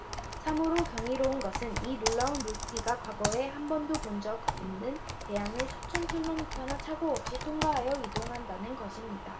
참으로 경이로운 것은 이 놀라운 물고기가 과거에 한 번도 본 적이 없는 대양을 수천 킬로미터나 착오 없이 통과하여 이동한다는 것입니다